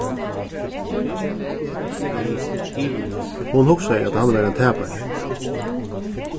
hon hugsaði at hann var ein tapari